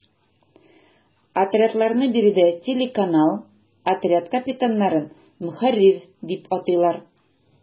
Отрядларны биредә “телеканал”, отряд капитаннарын “ мөхәррир” дип атыйлар.